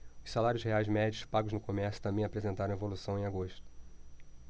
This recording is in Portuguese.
os salários reais médios pagos no comércio também apresentaram evolução em agosto